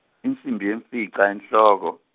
insimbi yemfica enhloko.